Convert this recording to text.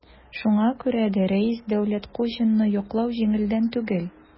Шуңа күрә дә Рәис Дәүләткуҗинны яклау җиңелдән түгел.